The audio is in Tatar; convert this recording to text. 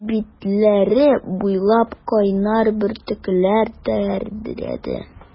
Битләре буйлап кайнар бөртекләр тәгәрәде.